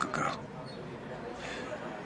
Gw girl.